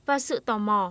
và sự tò mò